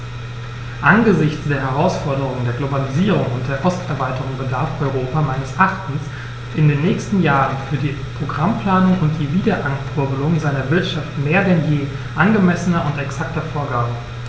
Angesichts der Herausforderung der Globalisierung und der Osterweiterung bedarf Europa meines Erachtens in den nächsten Jahren für die Programmplanung und die Wiederankurbelung seiner Wirtschaft mehr denn je angemessener und exakter Vorgaben.